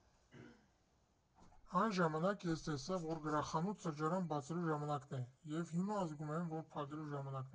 Այն ժամանակ ես տեսա, որ գրախանութ֊սրճարան բացելու ժամանակն է և հիմա զգում եմ, որ փակելու ժամանակն է։